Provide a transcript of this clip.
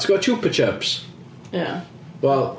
Ti gwbod Chupa Chups ...Ia ...Wel